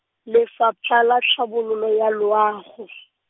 Lefapha la Tlhabololo ya Loago.